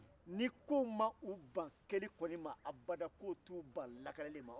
nin kow m'u ban kɛli kɔni ma abada kow t'u ban lakaleli ma